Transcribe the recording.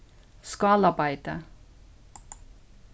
skálabeiti